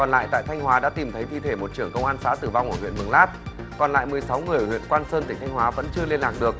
còn lại tại thanh hóa đã tìm thấy thi thể một trường công an xã tử vong ở huyện mường lát còn lại mười sáu người ở huyện quan sơn tỉnh thanh hóa vẫn chưa liên lạc được